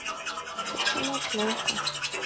почему плохо